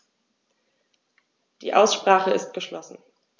Die Aussprache ist geschlossen.